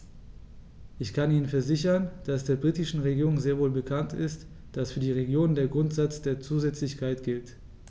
Ich kann Ihnen versichern, dass der britischen Regierung sehr wohl bekannt ist, dass für die Regionen der Grundsatz der Zusätzlichkeit gilt.